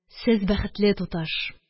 Сез бәхетле, туташ